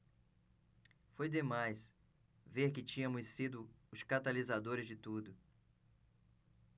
foi demais ver que tínhamos sido os catalisadores de tudo